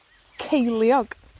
Ceiliog.